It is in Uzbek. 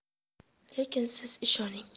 lekin siz ishoning